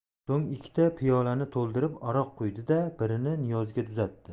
so'ng ikkita piyolani to'ldirib aroq quydi da birini niyozga uzatdi